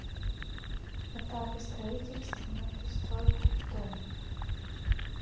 этапы строительства на пристройку к дому